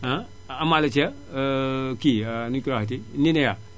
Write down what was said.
ah amaale ca kii nu ñu koy waxeeti Ninea